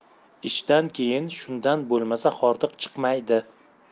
ishdan keyin shundan bo'lmasa hordiq chiqmaydi